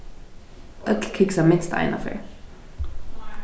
øll kiksa minst eina ferð